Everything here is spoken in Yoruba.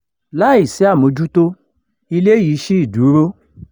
Láìsí àmójútó, ilé yìí ṣì dúró.